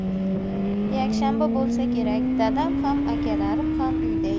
yakshanba bo'lsa kerak dadam ham akalarim ham uyda edi